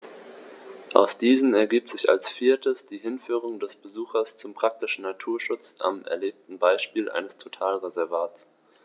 Aus diesen ergibt sich als viertes die Hinführung des Besuchers zum praktischen Naturschutz am erlebten Beispiel eines Totalreservats.